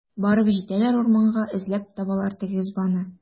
Барып җитәләр урманга, эзләп табалар теге ызбаны.